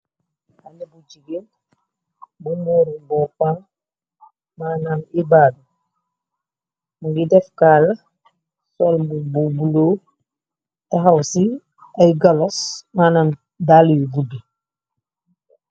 Khaleh bu jigeen bu mourou bopam manam ibadou mungi def kala sol mbub bu bulo takhaw si ay galos manan daleu yu gudu